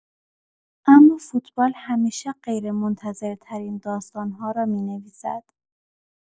اما فوتبال همیشه غیرمنتظره‌ترین داستان‌ها را می‌نویسد.